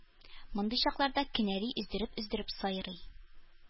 Мондый чакларда кенәри өздереп-өздереп сайрый